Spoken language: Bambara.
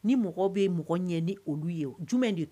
Ni mɔgɔ bɛ mɔgɔ ɲɛ ni olu ye jumɛn de